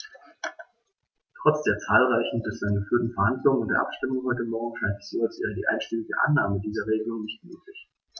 Trotz der zahlreichen bislang geführten Verhandlungen und der Abstimmung heute Morgen scheint es so, als wäre die einstimmige Annahme dieser Regelung nicht möglich.